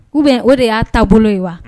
Ou bien o de y'a taa bolo ye wa?